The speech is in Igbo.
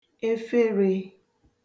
eferē